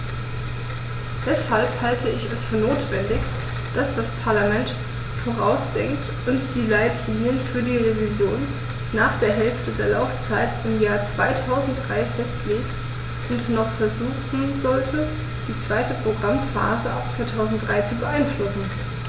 Deshalb halte ich es für notwendig, dass das Parlament vorausdenkt und die Leitlinien für die Revision nach der Hälfte der Laufzeit im Jahr 2003 festlegt und noch versuchen sollte, die zweite Programmphase ab 2003 zu beeinflussen.